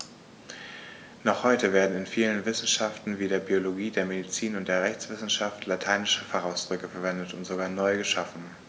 Noch heute werden in vielen Wissenschaften wie der Biologie, der Medizin und der Rechtswissenschaft lateinische Fachausdrücke verwendet und sogar neu geschaffen.